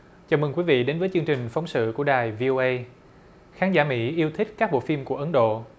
chào mừng quý vị đến với chương trình phóng sự của đài vi ô ây khán giả mỹ yêu thích các bộ phim của ấn độ